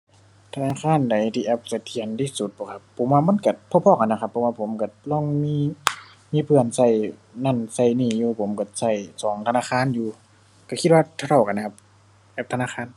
ธนาคารใดที่แอปเสถียรที่สุดบ่ครับ ผมว่ามันก็พอพอกันนะครับ เพราะว่าผมก็ลองมี มีเพื่อนก็นั้นก็นี้อยู่ ผมก็ก็สองธนาคารอยู่ ก็คิดว่าเท่าเท่ากันนะครับ แอปธนาคาร